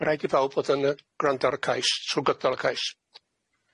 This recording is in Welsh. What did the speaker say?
Ma' raid i bawb fod yn yy gwrando ar y cais trw gydol y cais.